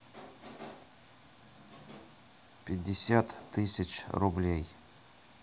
пятьдесят тысяч рублей